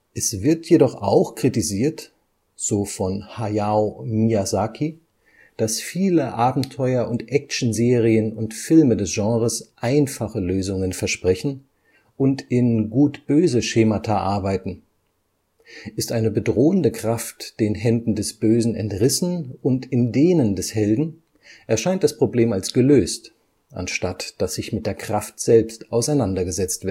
Es wird jedoch auch kritisiert, so von Hayao Miyazaki, dass viele Abenteuer - und Action-Serien und - Filme des Genres einfache Lösungen versprechen und in Gut-Böse-Schemata arbeiten. Ist eine bedrohende Kraft den Händen des Bösen entrissen und in denen des Helden, erscheint das Problem als gelöst, anstatt dass sich mit der Kraft selbst auseinandergesetzt